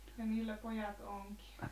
ja niillä pojat onki